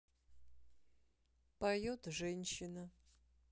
поет женщина